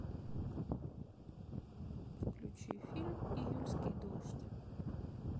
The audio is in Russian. включи фильм июльский дождь